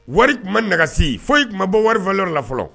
Wari kun ma nagasi foyi kun ma bɔ wari la fɔlɔ.